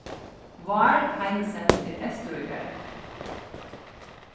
vár heinesen er eysturríkari